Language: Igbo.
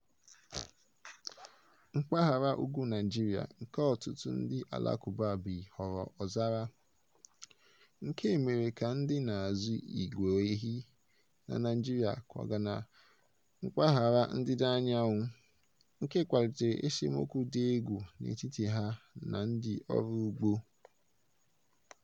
Mpaghara ugwu Naịjirịa nke ọtụtụ ndị Alakụba bi ghọrọ ọzara, nke mere ka ndị na-azụ ìgwè ehi na Naịjirịa kwaga na mpaghara ndịdaanyanwụ, nke kpalitere esemokwu dị egwu n'etiti ha na ndị ọrụugbo.